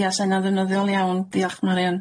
Ia sa hynna'n ddefnyddiol iawn. Diolch Marian.